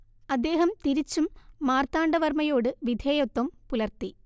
അദ്ദേഹം തിരിച്ചും മാർത്താണ്ഡ വർമ്മയോട് വിധേയത്വം പുലർത്തി